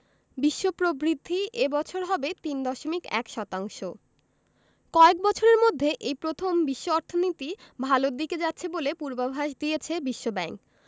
বিশ্ব প্রবৃদ্ধি এ বছর হবে ৩.১ শতাংশ কয়েক বছরের মধ্যে এই প্রথম বিশ্ব অর্থনীতি ভালোর দিকে যাচ্ছে বলে পূর্বাভাস দিয়েছে বিশ্বব্যাংক